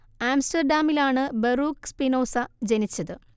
ആംസ്റ്റർഡാമിലാണ് Baruch Spinoza ജനിച്ചത്